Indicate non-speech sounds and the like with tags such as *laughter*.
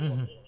*hesitation* *hesitation*